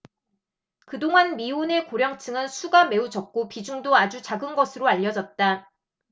그동안 미혼의 고령층은 수가 매우 적고 비중도 아주 작은 것으로 알려졌다